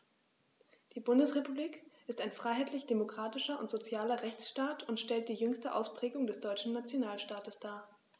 Die Bundesrepublik ist ein freiheitlich-demokratischer und sozialer Rechtsstaat und stellt die jüngste Ausprägung des deutschen Nationalstaates dar.